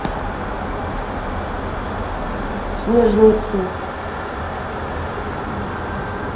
снежные псы